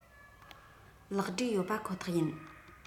ལེགས སྒྲིག ཡོད པ ཁོ ཐག ཡིན